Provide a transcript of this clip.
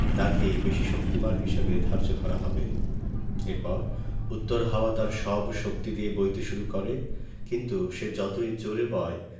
তাকেই বেশি শক্তিমান হিসেবে ধার্য করা হবে এরপর উত্তর হাওয়া তার সব শক্তি দিয়ে বইতে শুরু করে কিন্তু সে যতই জোড়ে বয়